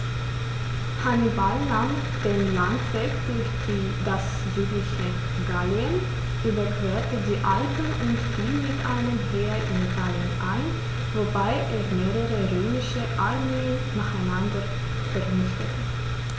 Hannibal nahm den Landweg durch das südliche Gallien, überquerte die Alpen und fiel mit einem Heer in Italien ein, wobei er mehrere römische Armeen nacheinander vernichtete.